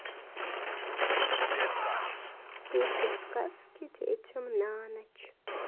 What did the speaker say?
слушать сказки детям на ночь